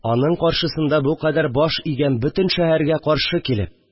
Аның каршысында бу кадәр баш игән бөтен шәһәргә каршы килеп